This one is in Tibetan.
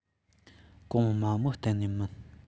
གོང དམའ མོ གཏན ནས མིན